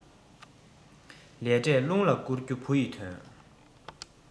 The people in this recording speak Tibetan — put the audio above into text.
ལས འབྲས རླུང ལ བསྐུར རྒྱུ བུ ཡི དོན